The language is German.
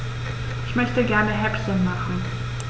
Ich möchte gerne Häppchen machen.